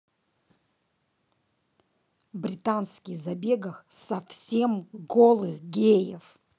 британский забегах совсем голых геев